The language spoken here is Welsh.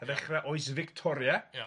yn ddechra Oes Victoria ia.